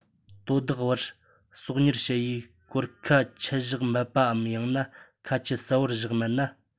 དོ བདག བར གསོག ཉར བྱེད ཡུན སྐོར ཁ ཆད བཞག མེད པའམ ཡང ན ཁ ཆད གསལ པོ བཞག མེད ན